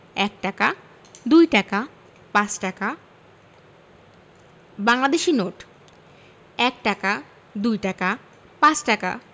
১ টাকা ২ টাকা ৫ টাকা বাংলাদেশি নোটঃ ১ টাকা ২ টাকা ৫ টাকা